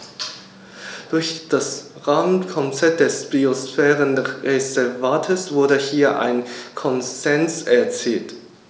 Durch das Rahmenkonzept des Biosphärenreservates wurde hier ein Konsens erzielt.